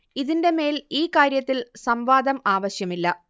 ഇതിന്റെ മേൽ ഈ കാര്യത്തിൽ സംവാദം ആവശ്യമില്ല